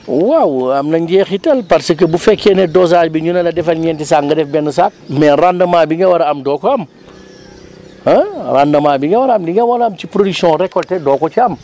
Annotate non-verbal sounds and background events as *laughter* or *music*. waaw am na njeexital parce que bu fekkee ne dosage bi ñu ne la defal ñeenti saak nga def benn saak mais rendement bi nga war a am doo ko am *noise* ah rendement bi nga war a am li nga war a am ci production récoltée doo ko ca am